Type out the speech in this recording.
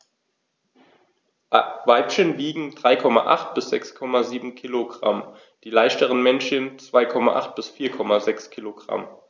Weibchen wiegen 3,8 bis 6,7 kg, die leichteren Männchen 2,8 bis 4,6 kg.